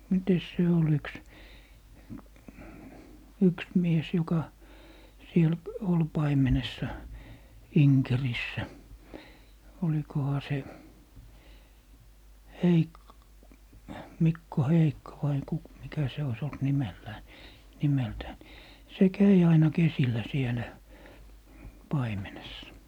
mitenkäs se oli yksi yksi mies joka siellä oli paimenessa Inkerissä olikohan se - Mikko Heikko vai - mikä se olisi ollut nimellään niin nimeltään se kävi aina kesillä siellä paimenessa